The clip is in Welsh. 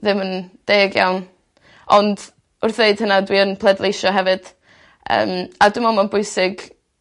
ddim yn deg iawn ond wrth ddeud hwnna dwi yn pleidleisio hefyd yym a dwi me'wl ma'n bwysig